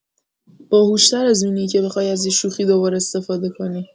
باهوش‌تر از اونی که بخوای از یه شوخی دو بار استفاده کنی.